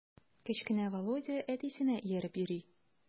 Кечкенә Володя әтисенә ияреп йөри.